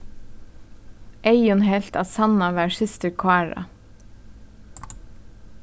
eyðun helt at sanna var systir kára